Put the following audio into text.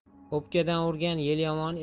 o'pkadan urgan yel yomon